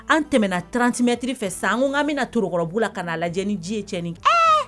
An tɛmɛna trantimɛtiriri fɛ san ko ka bɛna na tokɔrɔbu la ka'a lajɛ lajɛlen ni diɲɛ ye cɛ nin ee